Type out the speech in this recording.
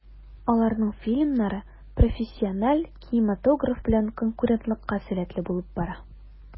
Аларның фильмнары профессиональ кинематограф белән конкурентлыкка сәләтле булып бара.